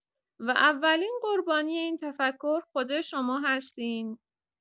و اولین قربانی این تفکر، خود شما هستین.